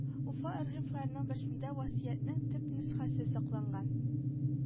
Уфа архивларының берсендә васыятьнең төп нөсхәсе сакланган